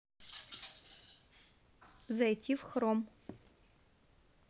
зайти в хром